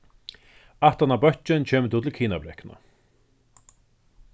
aftaná bøkkin kemur tú til kinabrekkuna